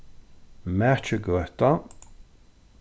mækjugøta